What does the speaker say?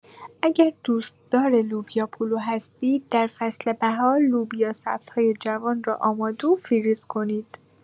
اگر دوستدار لوبیا پلو هستید در فصل بهار لوبیا سبزهای جوان را آماده و فریز کنید.